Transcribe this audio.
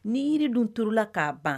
Ni yiri dun turula k'a ban